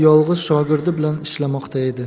yolg'iz shogirdi bilan ishlamoqda edi